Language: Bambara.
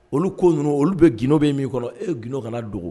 Olu ko ninnu olu bee gindo b'e min kɔnɔ e gindo kana dogo